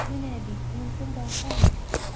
Менә, әби, монсын да аша әле!